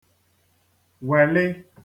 wèlị